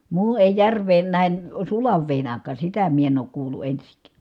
muu ei järveen nähden sulan veden aikaan sitä minä en ole kuullut ensinkään